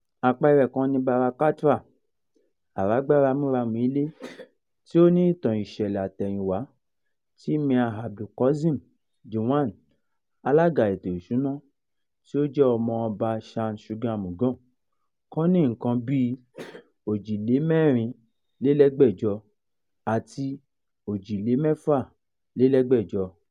Àpẹẹrẹ kan ni Bara Katra, àrágbáramúramù ilé tí ó ní ìtàn-ìṣẹ̀lẹ̀-àtẹ̀yìnwá tí Mir Abul Qasim, Diwan (alága ètò ìṣúná) ti ó jẹ́ ọmọba Shah Shuja Mughul kọ́ ní nǹkan bíi 1644 àti 1646.